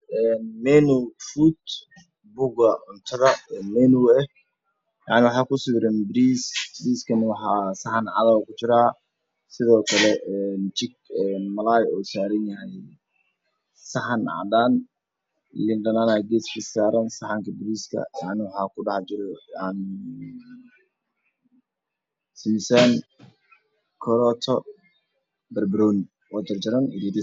Meel aan ka maarmi karin ayaa saaran go'a ku firaashan maro cadaan ah io calamo o aliyah ciyaaro ah io bahal yar oo xidig ku jirta